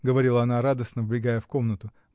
— говорила она радостно, вбегая в комнату.